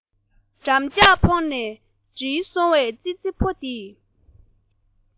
འགྲམ ལྕག ཕོག ནས འགྲིལ སོང བའི ཙི ཙི ཕོ དེས